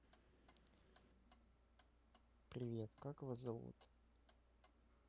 привет как вас зовут